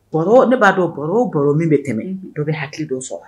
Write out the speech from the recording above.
Baro o ne b'a dɔn baro o baro min bɛ tɛmɛ unhun dɔ bɛ hakili dɔ sɔrɔ la